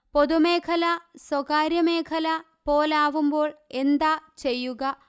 പൊതുമേഖല സ്വകാര്യ മേഖല പോലാവുമ്പോൾ എന്താ ചെയ്യുക